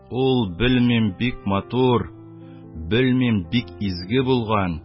Ул, белмим, бик матур, белмим, бик изге булган